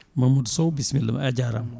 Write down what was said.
Mamadou Sow bisimilla ma a jarama